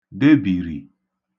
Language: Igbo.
debìrì